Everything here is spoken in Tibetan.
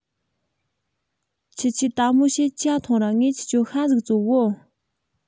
ཁྱེད ཆོས དལ མོ བྱོས ཇ ཐུངས ར ངས ཁྱེད ཆོའ ཤ ཟིག བཙོ གོ